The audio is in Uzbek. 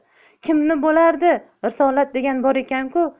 kimni bo'lardi risol degani bor ekan ku